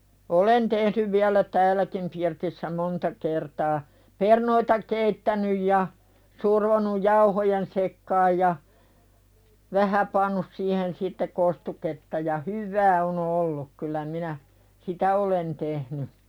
olen tehnyt vielä täälläkin pirtissä monta kertaa perunoita keittänyt ja survonut jauhojen sekaan ja vähän pannut siihen sitten kostuketta ja hyvää on ollut kyllä minä sitä olen tehnyt